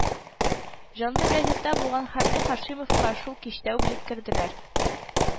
Җанлы газетта булган хәлне Һашимовка шул кичтә үк җиткерделәр